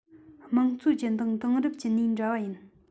དམངས གཙོ ཅན དང དེང རབས ཅན གཉིས འདྲ བ ཡིན